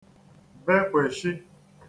bekwèshi